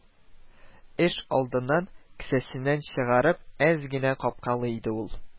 Эш алдыннан, кесәсеннән чыгарып, әз генә капкалый иде ул